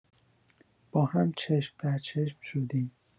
با هم چشم در چشم شدیم.